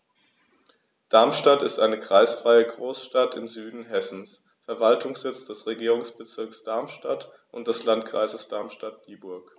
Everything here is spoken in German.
Darmstadt ist eine kreisfreie Großstadt im Süden Hessens, Verwaltungssitz des Regierungsbezirks Darmstadt und des Landkreises Darmstadt-Dieburg.